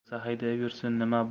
haydasa haydayversin nima